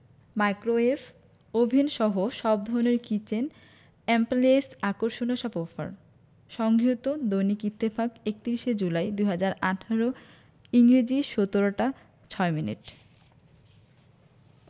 microwave ওভেনসহ সব ধরনের কিচেন অ্যামপ্লেস আকর্ষণীয় সব অফার সংগৃহীত দৈনিক ইত্তেফাক ৩১ শে জুলাই ২০১৭ ইংরেজি ১৭ টা ৬ মিনিট